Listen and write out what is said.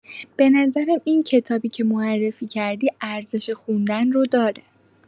به نظرم این کتابی که معرفی کردی ارزش خوندن رو داره.